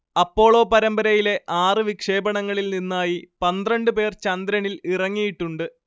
Apollo പരമ്പരയിലെ ആറ് വിക്ഷേപണങ്ങളിൽ നിന്നായി പന്ത്രണ്ട് പേർ ചന്ദ്രനിൽ ഇറങ്ങിയിട്ടുണ്ട്